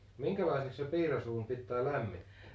minkälaiseksi se piirasuuni pitää lämmittää